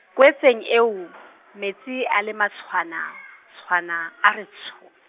kweetseng eo , metsi a le matshwana , tshwana, a re tsho.